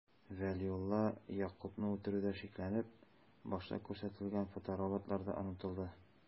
Вәлиулла Ягъкубны үтерүдә шикләнеп, башта күрсәтелгән фотороботлар да онытылды...